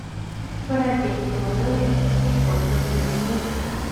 บ่ได้เตรียมตัวเลย มีฝนก็เปียกเลย